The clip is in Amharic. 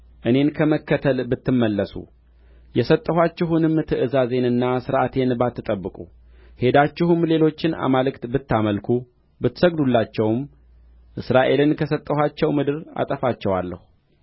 እኔን ከመከትል ብትመለሱ የሰጠኋችሁንም ትእዛዜንና ሥርዓቴን ባትጠብቁ ሄዳችሁም ሌሎችን አማልክት ብታመልኩ ብትሰግዱላቸውም እስራኤልን ከሰጠኋቸው ምድር አጠፋቸዋለሁ